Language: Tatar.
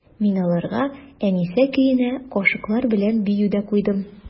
Мин аларга «Әнисә» көенә кашыклар белән бию дә куйдым.